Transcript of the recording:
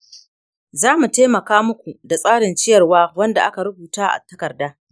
za mu taimaka muku da tsarin ciyarwa wanda aka rubuta a takarda.